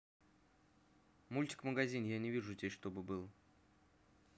мультик магазин я не вижу здесь чтобы было